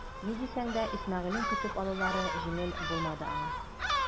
Ни дисәң дә Исмәгыйлен көтеп алулары җиңел булмады аңа.